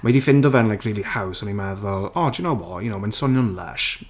Mae hi 'di ffindo fe'n like rili haws. O'n i'n meddwl "oh do you know what, you know? Mae'n swnio'n lysh."